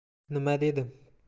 nima dedim